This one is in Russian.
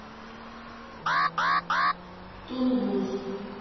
тунгус